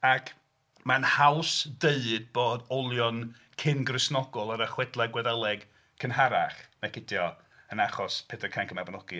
Ac mae'n haws dweud bod olion cyn-Gristnogol yn y chwedlau Gwyddeleg cynharach nag ydy o yn achos Pedair Cainc y Mabinogi...